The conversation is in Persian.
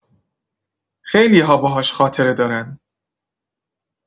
خیلی‌ها باهاش خاطره دارن؛